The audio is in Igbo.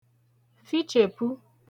fichèpu